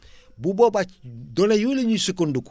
bu boobaa données yooyu la ñuy sukkandiku